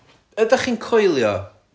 Ydach chi'n coelio